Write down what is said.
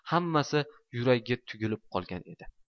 hammasi yuragiga tugilib qolgan edi